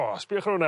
O sbïwch ar 'wnna.